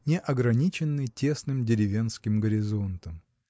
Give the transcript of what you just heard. не ограниченной тесным деревенским горизонтом.